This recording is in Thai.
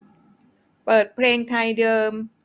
เปิดเพลงไทยเดิม